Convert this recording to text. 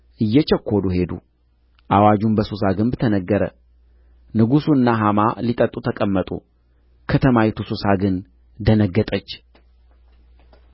እየቸኰሉ ሄዱ አዋጁም በሱሳ ግንብ ተነገረ ንጉሡና ሐማ ሊጠጡ ተቀመጡ ከተማይቱ ሱሳ ግን ተደናገጠች